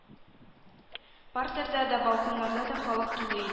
Партерда да балконнарда да халык тулы иде